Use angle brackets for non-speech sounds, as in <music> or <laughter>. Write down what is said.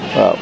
<noise> waaw